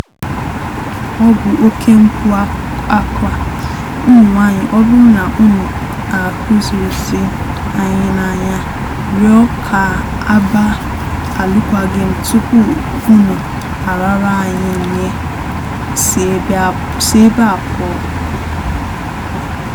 Ọ bụ oke mkpu akwa, ụmụ nwaanyị ọ bụrụ na unu ahụghịzị anyị n'anya rịọ ka a gbaa alụkwaghịm tupu unu arara anyị nye, si ebe a pụọ.